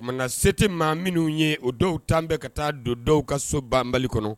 Nka sete maa minnu ye o dɔw tan bɛ ka taa don dɔw ka so banbali kɔnɔ